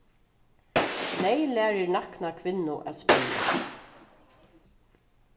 neyð lærir nakna kvinnu at spinna